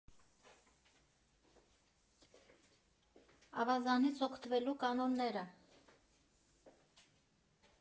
«Ավազանից» օգտվելու կանոնները։